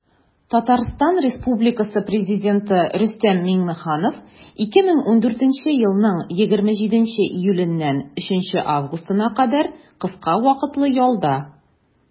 Татарстан Республикасы Президенты Рөстәм Миңнеханов 2014 елның 27 июленнән 3 августына кадәр кыска вакытлы ялда.